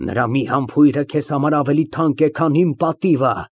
Նրա մի համբույրը քեզ համար ավելի թանկ է, քան իմ պատիվը։